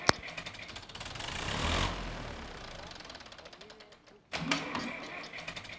откуда произошла фамилия кузьмина